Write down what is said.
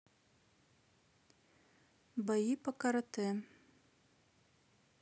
бои по карате